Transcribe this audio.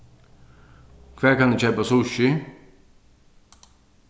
hvar kann eg keypa sushi